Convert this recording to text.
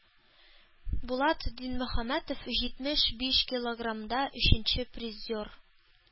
Булат Динмөхәммәтов җитмеш биш килограммда– өченче призер.